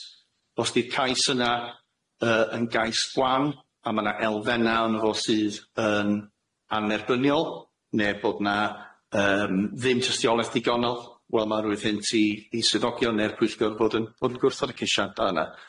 Os di'r cais yna yy yn gais gwan a ma' na elfenna ynno fo sydd yn anerbyniol ne' bod na yym ddim tystiolaeth digonol wel ma'n roid hynnt i i swyddogion ne'r Pwyllgor fod yn fod yn gwrthod y ceisiada yna.